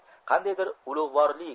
qandaydir ulug'vorlik